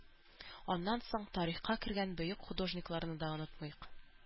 Аннан соң тарихка кергән бөек художникларны да онытмыйк.